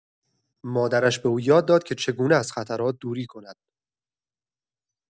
مادرش به او یاد داد که چگونه از خطرات دوری کند.